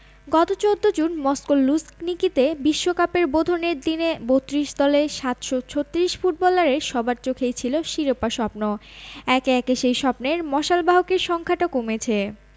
গত ১৪ জুন মস্কোর লুঝনিকিতে বিশ্বকাপের বোধনের দিনে ৩২ দলের ৭৩৬ ফুটবলারের সবার চোখেই ছিল শিরোপা স্বপ্ন একে একে সেই স্বপ্নের মশালবাহকের সংখ্যাটা কমেছে